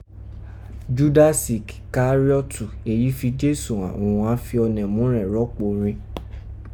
Judasi Kikariotu èyí fi Jesu han òghun án fi ọnẹ̀múrẹ̀n rọpo rin